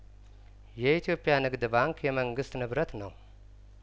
የኢትዮጵያ ንግድ ባንክ የመንግስት ንብረት ነው